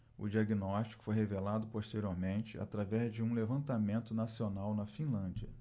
o diagnóstico foi revelado posteriormente através de um levantamento nacional na finlândia